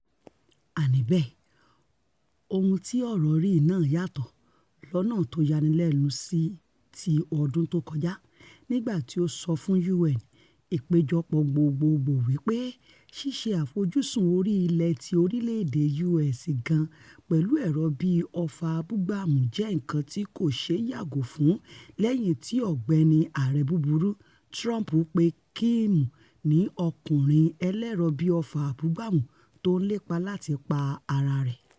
Àní bẹ́ẹ̀, ohun ti ọ̀rọ̀ Ri náà yàtọ̀ lọ́nà tóyanilẹ́nu sí ti ọdún tókọjá, nígbà tí o sọ fún U.N. Ìpéjọpọ̀ Gbogbogbòò wí pé ṣíṣe àfojúsùn ori-ilẹ̀ ti orílẹ̀-èdè U.S gan-an pẹ̀lú ẹ̀rọ̀-bí-ọfà abúgbàmù jẹ́ nǹkan tí kòṣeé yàgò fún lẹ́yìn tí ''Ọ̀gbẹ́ni Ààrẹ Búburú'' Trump pe Kim ni ''ọkùnrin ẹlẹ́ẹ̀rọ̀-bí-ọfà abúgbàmù'' tó ńlépa láti pa ara rẹ̀.